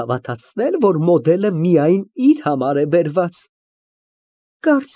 ՎԱՐԴԱՆ ֊ Հրամանիդ ամ սըպասում։